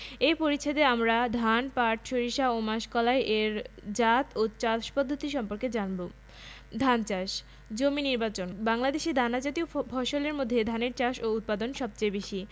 এ পরিচ্ছেদে আমরা ধান পাট সরিষা ও মাসকলাই এর জাত ও চাষ পদ্ধতি সম্পর্কে জানব ধান চাষ জমি নির্বাচনঃ বাংলাদেশে দানাজাতীয় ফসলের মধ্যে ধানের চাষ ও উৎপাদন সবচেয়ে বেশি